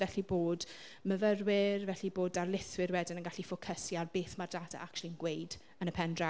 Felly bod myfyrwyr, felly bod darlithwyr wedyn yn gallu ffocysu ar beth mae'r data actually yn gweud yn y pen draw.